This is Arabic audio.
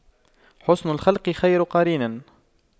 حُسْنُ الخلق خير قرين